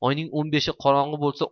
oyning o'n beshi qorong'i bo'lsa